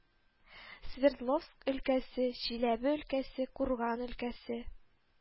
Свердловск өлкәсе, Чиләбе өлкәсе, Курган өлкәсе